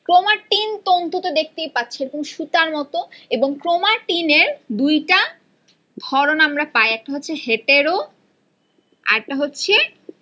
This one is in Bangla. ক্রোমাটিন তন্তু তো দেখতেই পাচ্ছো এরকম সুতার মতো এবং ক্রোমাটিন এর দুইটা ধরণ আমরা পাই একটা হচ্ছে হেটেরো আরেকটা হচ্ছে